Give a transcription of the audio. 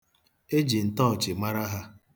E ji ntọọchị mara ha.